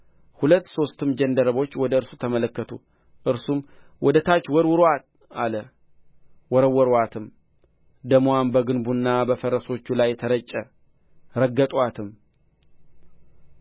ሁለት ሦስትም ጃንደረቦች ወደ እርሱ ተመለከቱ እርሱም ወደ ታች ወርውሩአት አለ ወረወሩአትም ደምዋም በግንቡና በፈረሶቹ ላይ ተረጨ ረገጡአትም